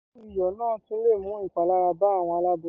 Èbùbù-iyọ̀ náà tún lè mú ìpalára bá àwọn aláboyún.